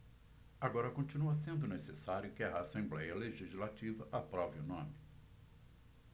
agora continua sendo necessário que a assembléia legislativa aprove o nome